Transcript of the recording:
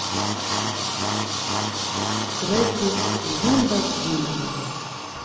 треки с днем рождения